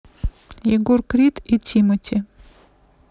егор крид и тимати